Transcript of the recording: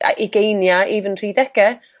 ugeinia' i fy nhridege